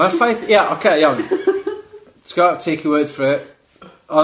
Ma'r ffaith, ia ocê iawn, ti'n gwbod, take your word for it, ond,